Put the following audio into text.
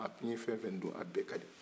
a n'i ye fɛnfɛn dun a bɛ kadi